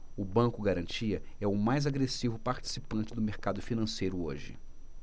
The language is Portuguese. o banco garantia é o mais agressivo participante do mercado financeiro hoje